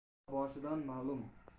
bo'ladigan bola boshidan ma'lum